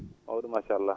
maw?um machallah